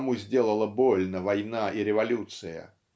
кому сделала больно война и революция.